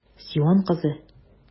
Сион кызы!